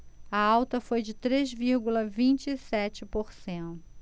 a alta foi de três vírgula vinte e sete por cento